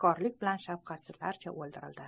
makkorlik bilan shafqatsizlarcha o'ldirildi